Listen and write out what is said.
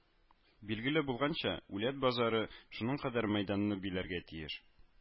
Билгеле булганча, үләт базлары шуның кадәр мәйданны биләргә тиеш